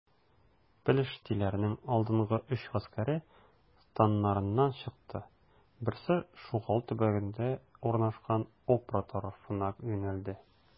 Пелештиләрнең алдынгы өч гаскәре, станнарыннан чыкты: берсе Шугал төбәгендә урнашкан Опра тарафына юнәлде.